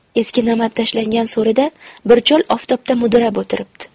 eski namat tashlangan so'rida bir chol oftobda mudrab o'tiribdi